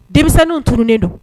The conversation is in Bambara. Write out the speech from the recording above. Denmisɛnninw tununnen don